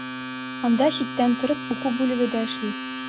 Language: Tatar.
Анда читтән торып уку бүлеге дә эшли.